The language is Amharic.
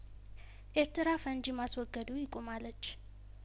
ኤርትራ ፈንጂ ማስወገዱ ይቁም አለች